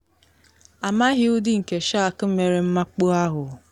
Amaghị ụdị nke shark mere mmakpu ahụ.